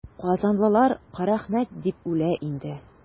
Казанлылар Карәхмәт дип үлә инде.